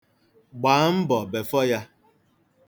Gbaa mbọ befọ ya.